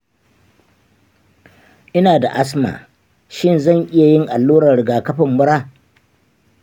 ina da asma; shin zan iya yin allurar rigakafin mura?